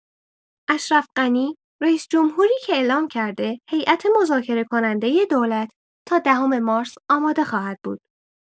اشرف غنی، رئیس‌جمهوری اعلام کرده که هیئت مذاکره کنندۀ دولت تا دهم مارس آماده خواهد بود.